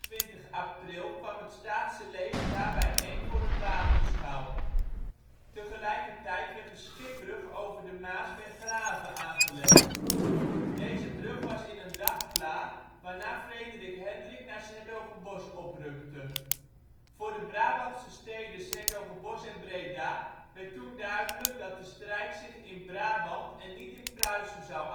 28 april kwam het Staatse leger daar bijeen voor een wapenschouw. Tegelijkertijd werd een schipbrug over de Maas bij Grave aangelegd. Deze brug was in een dag klaar, waarna Frederik Hendrik naar ' s-Hertogenbosch oprukte. Voor de Brabantse steden ' s-Hertogenbosch en Breda werd toen duidelijk, dat de strijd zich in Brabant en niet in Pruisen, zou afspelen